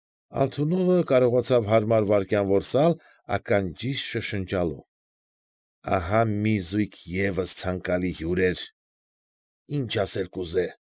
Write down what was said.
Ալթունովը կարողացավ հարմար վայրկյան որսալ ականջիս շշնջալու։ ֊ Ահա մի զույգ ևս ցանկալի հյուրեր,֊ ինչ ասել կուզե։